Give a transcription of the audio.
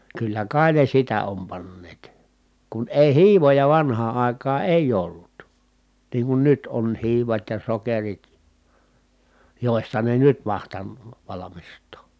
kyllä kai ne sitä on panneet kun ei hiivoja vanhaan aikaan ei ollut niin kun nyt on hiivat ja sokerit joista ne nyt mahtanut valmistaa